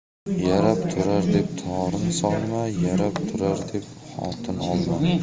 yarab turar deb torn solma yarab turar deb xotin olma